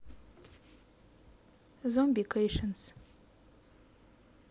зомби кейшенс